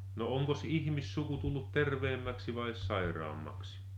no onkos ihmissuku tullut terveemmäksi vai sairaammaksi